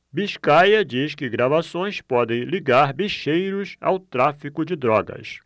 biscaia diz que gravações podem ligar bicheiros ao tráfico de drogas